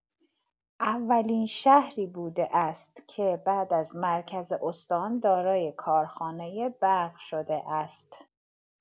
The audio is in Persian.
اولین شهری بوده است که بعد از مرکز استان دارای کارخانه برق شده است.